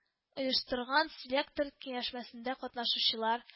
Оештырган селектр киңәшмәсендә катнашучылар